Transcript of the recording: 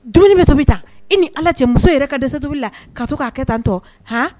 Dumuni bɛ to ta i ni ala cɛ muso yɛrɛ ka dɛsɛ to la ka to k'a kɛ tan n tɔ hɔn